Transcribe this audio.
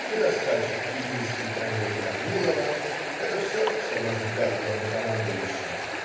Туда скачет текинский конвой Корнилова - это все, что может дать главнокомандующий.